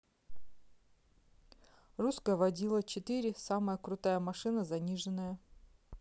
русская водила четыре самая крутая машина заниженная